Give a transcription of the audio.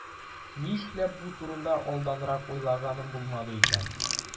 Нишләп бу турыда алданрак уйлаганым булмады икән?